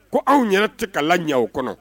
Ko anw ɲɛna tɛ ka la ɲɛ aw kɔnɔ